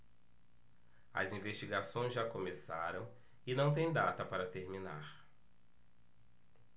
as investigações já começaram e não têm data para terminar